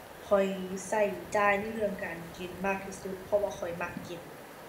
ข้อยใช้จ่ายในเรื่องการกินมากที่สุด เพราะว่าข้อยมักกิน